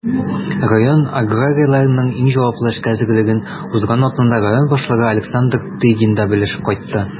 Район аграрийларының иң җаваплы эшкә әзерлеген узган атнада район башлыгы Александр Тыгин да белешеп кайтты.